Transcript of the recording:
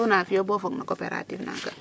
so na fiyo bo fog no cooperative ne